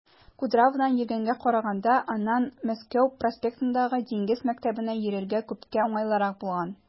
Кудроводан йөргәнгә караганда аннан Мәскәү проспектындагы Диңгез мәктәбенә йөрергә күпкә уңайлырак булган.